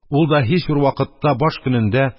Ул да һичбер вакытта баш көнендә